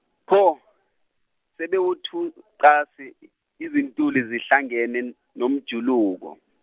pho sebewuthunqasi, izintuli zihlangene, nomjuluko.